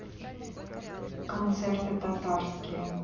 концерты татарские